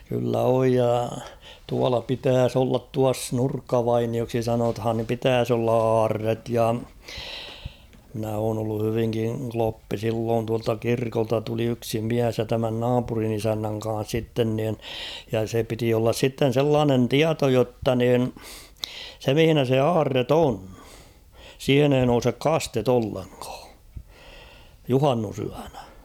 kyllä on ja tuolla pitäisi olla tuossa Nurkkavainioksi sanotaan niin pitäisi olla aarre ja minä olen ollut hyvinkin kloppi silloin tuolta kirkolta tuli yksi mies ja tämän naapurin isännän kanssa sitten niin ja se piti olla sitten sellainen tieto jotta niin se missä se aarre on siihen ei nouse kaste ollenkaan juhannusyönä